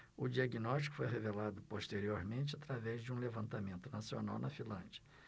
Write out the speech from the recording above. o diagnóstico foi revelado posteriormente através de um levantamento nacional na finlândia